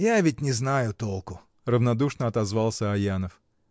— Я ведь не знаю толку, — равнодушно отозвался Аянов.